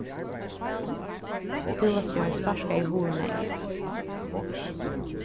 skúlastjórin sparkaði hurðina inn